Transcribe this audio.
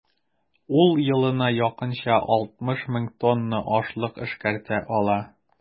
Ул елына якынча 60 мең тонна ашлык эшкәртә ала.